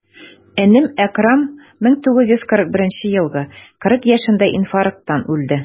Энем Әкрам, 1941 елгы, 40 яшендә инфаркттан үлде.